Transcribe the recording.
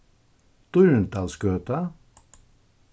dýrindalsgøta